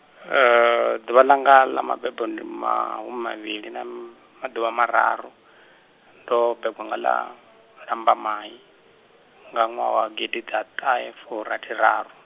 ḓuvha langa ḽa mabebo ndi mahumimavhili na maḓuvha mararu. ndo begwa ngaḽa, ḽambamai, nga ṅwaha wa gidiḓaṱahefurathiraru.